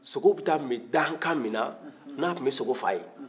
sogow bɛ taa min dankan min na n'a tun bɛ sogo faga ye